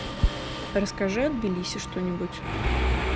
расскажи о тбилиси что нибудь